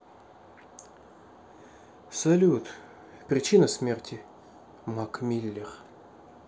салют причина смерти mac miller